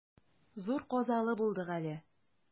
Зур казалы булдык әле.